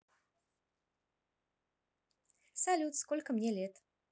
салют сколько мне лет